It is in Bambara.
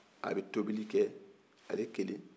a bɛ tobili kɛ